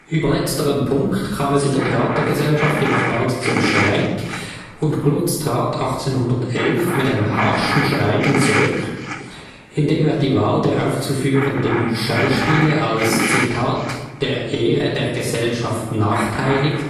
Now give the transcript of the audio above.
Über letzteren Punkt kam es in der Theatergesellschaft jedoch bald zum Streit und Glutz trat 1811 mit einem harschen Schreiben zurück, in dem er die Wahl der aufzuführenden Schauspiele als „ der Ehre der Gesellschaft nachteilig